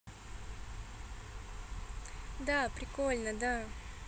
да прикольно да